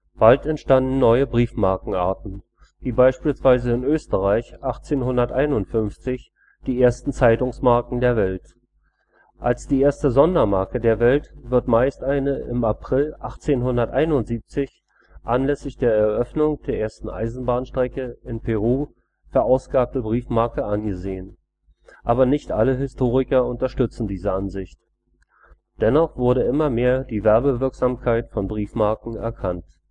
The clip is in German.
Bald entstanden neue Briefmarkenarten, wie beispielsweise in Österreich 1851 die ersten Zeitungsmarken der Welt. Als die erste Sondermarke der Welt wird meist eine im April 1871 anlässlich der Eröffnung der ersten Eisenbahnstrecke in Peru verausgabte Briefmarke angesehen. Aber nicht alle Historiker unterstützen diese Ansicht. Dennoch wurde immer mehr die Werbewirksamkeit von Briefmarken erkannt